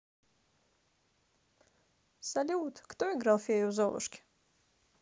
салют кто играл фею в золушке